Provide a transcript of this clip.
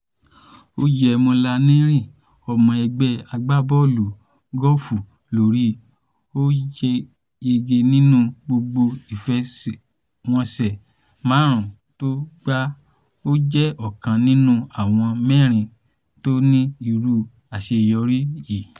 Ó yẹ Molinari, ọmọ ẹgbẹ́ agbábọ̀ọ̀lù gọ́ọ̀fù torí ó yege nínú gbogbo ìfẹsèwọnsẹ̀ márùn-ún tó gbá. Ó jẹ́ ọ̀kan nínú àwọn mẹ́rin tó ní irú àṣeyorí yìí.